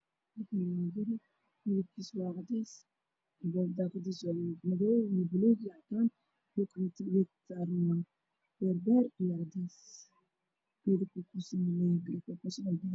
Hal kaani waa guri midab kiisu waa cadeys